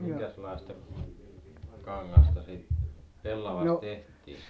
minkäslaista kangasta siitä pellavasta tehtiin